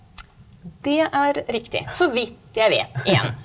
det er riktig så vidt jeg vet igjen.